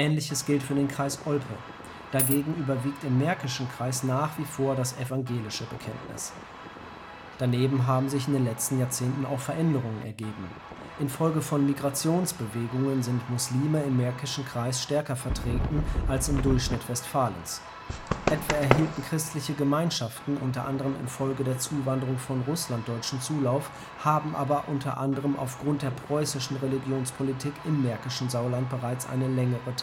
Ähnliches gilt für den Kreis Olpe. Dagegen überwiegt im Märkischen Kreis nach wie vor das evangelische Bekenntnis. Daneben haben sich in den letzten Jahrzehnten auch Veränderungen ergeben. Infolge von Migrationsbewegungen sind Muslime im Märkischen Kreis stärker vertreten als im Durchschnitt Westfalens. Etwa erhielten (freikirchliche) christliche Gemeinschaften u.a. infolge der Zuwanderung von Russlanddeutschen Zulauf, haben aber u.a. aufgrund der preußischen Religionspolitik im märkischen Sauerland bereits eine längere